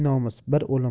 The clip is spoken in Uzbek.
nomus bir o'lim